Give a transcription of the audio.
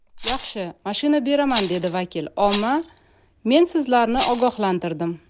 yaxshi mashina beraman dedi vakil omma men sizlarni ogohlantirdim